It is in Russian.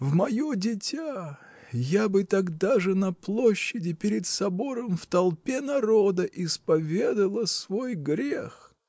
в мое дитя, — я бы тогда же на площади, перед собором, в толпе народа исповедала свой грех!